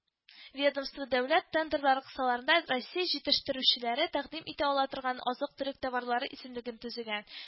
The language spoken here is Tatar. Ведомство дәүләт тендерлары кысаларында Россия җитештерүчеләре тәкъдим итә ала торган азык-төлек товарлары исемлеген төзегән